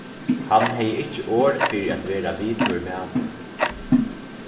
hann hevði ikki orð fyri at vera vitur maður